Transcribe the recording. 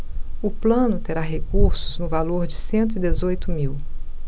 o plano terá recursos no valor de cento e dezoito mil